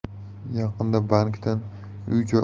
yaqinda bankdan uy joy